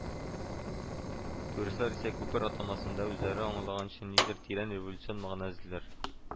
Туристлар исә күпер атамасында үзләре аңлаганча ниндидер тирән революцион мәгънә эзлиләр